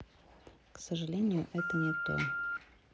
к сожалению это не то